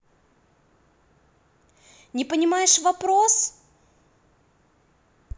не понимаешь вопрос